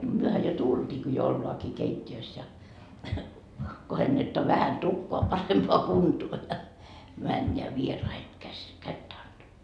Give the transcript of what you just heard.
mehän jo tultiinkin jo ollaankin keittiössä ja kohennetaan vähän tukkaa parempaan kuntoon ja mennään vieraiden käsi kättä antamaan